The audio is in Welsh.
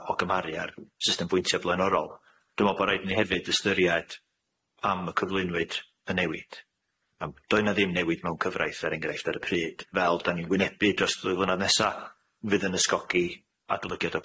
yy o gymharu a'r system bwyntio blaenorol dwi me'wl bo' raid ni hefyd ystyried pam y cyflwynwyd y newid yym doedd na ddim newid mewn cyfraith er enghraifft ar y pryd fel dan ni'n wynebu dros ddwy flynadd nesa fydd yn ysgogi adolygiad o